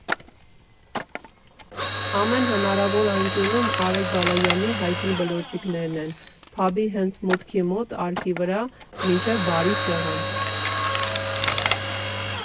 Ամեն հնարավոր անկյունում Արեգ Բալայանի հայտնի բլոճիկներն են՝ փաբի հենց մուտքի մոտ արկի վրա, մինչև բարի սեղան։